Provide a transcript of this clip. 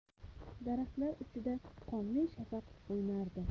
daraxtlar uchida qonli shafaq o'ynardi